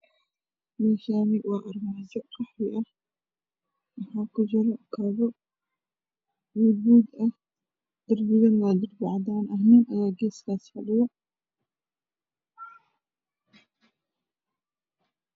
Meshaani waa armajo qaxwi ah waxaa ku jira kabo buudbuud eh derbiga waa derbi cadan ah nin ayaa geeskas fadhiyo